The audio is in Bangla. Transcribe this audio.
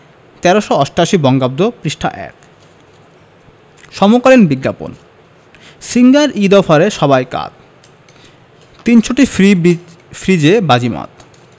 ১৩৮৮ বঙ্গাব্দ পৃষ্ঠা ১ সমকালীন বিজ্ঞাপন সিঙ্গার ঈদ অফারে সবাই কাত ৩০০ টি ফ্রি বি ফ্রিজে বাজিমাত